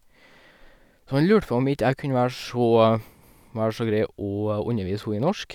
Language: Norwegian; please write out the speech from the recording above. Så han lurte på om ikke jeg kunne være så være så grei å undervise ho i norsk.